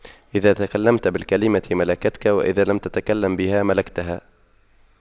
إذا تكلمت بالكلمة ملكتك وإذا لم تتكلم بها ملكتها